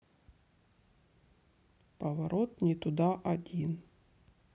поворот не туда один